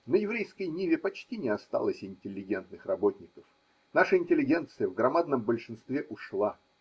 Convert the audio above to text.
На еврейской ниве почти не осталось интеллигентных работников: наша интеллигенция в громадном большинстве ушла.